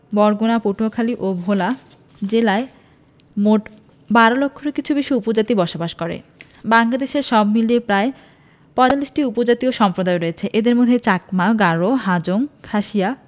বরগুনা পটুয়াখালী ও ভোলা জেলায় মোট ১২ লক্ষের কিছু বেশি উপজাতি বসবাস করে বাংলাদেশে সব মিলিয়ে প্রায় ৪৫টি উপজাতীয় সম্প্রদায় রয়েছে এদের মধ্যে চাকমা গারো হাজং খাসিয়া